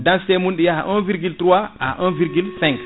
densité mum ɗi yaaha 1,3 à 1,5